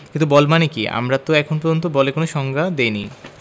কিন্তু বল মানে কী আমরা তো এখন পর্যন্ত বলের কোনো সংজ্ঞা দিইনি